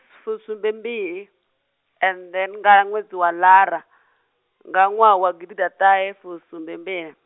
fusumbembili, and then nga ṅwedzi wa lara, nga ṅwaha wa gidiḓaṱahefusumbembili.